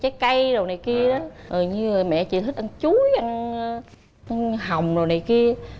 trái cây rồi này kia rồi như à mẹ chị thích ăn chuối ăn hồng rồi này kia